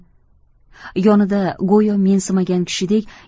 yonida go'yo mensimagan kishidek